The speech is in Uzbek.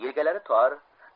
yelkalari tor